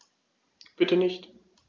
Bitte nicht.